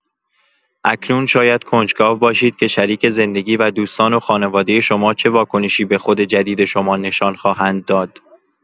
اکنون شاید کنجکاو باشید که شریک زندگی و دوستان و خانواده شما چه واکنشی به خود جدید شما نشان خواهند داد.